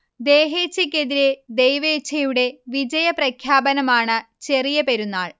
ദേഹേഛക്കെതിരെ ദൈവേഛയുടെ വിജയ പ്രഖ്യാപനമാണ് ചെറിയ പെരുന്നാൾ